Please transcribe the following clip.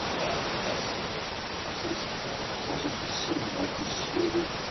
Gymraeg neu'r Basgeg a a'r Saesnag, a bod hi'n rhesymol disgwyl i